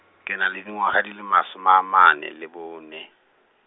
ke na le dingwaga di le masome amane le bone.